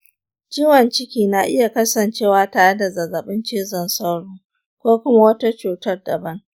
ciwon ciki na iya kasancewa tare da zazzabin cizon sauro ko kuma wata cutar daban.